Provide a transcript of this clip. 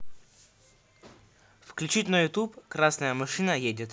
включить на ютуб красная машина едет